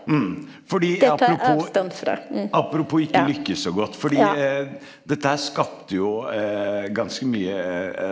fordi apropos apropos ikke lykkes så godt, fordi dette her skapte jo ganske mye .